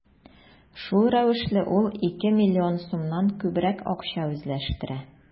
Шул рәвешле ул ике миллион сумнан күбрәк акча үзләштерә.